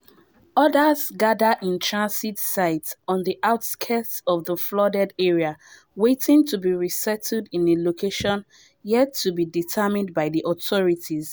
Others gather in transit sites on the outskirts of the flooded area, waiting to be resettled in a location yet to be determined by the authorities.